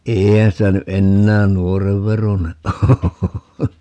eihän sitä nyt enää nuoren veroinen ole